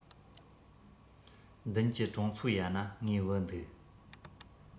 མདུན གྱི གྲོང ཚོ ཡ ན ངའི བུ འདུག